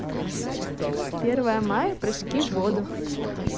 первое мая прыжки в воду